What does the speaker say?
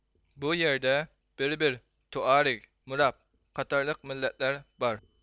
بۇ يەردە بېربېر توئارېگ مۇراب قاتارلىق مىللەتلەر بار